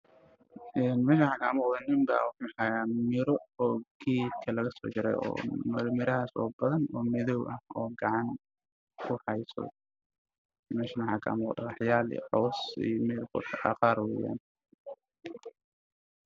Meeshan ha iga muuqday qof gacanta ku hayo miro-geed lasoo qoray oo midabkoodu yahay madow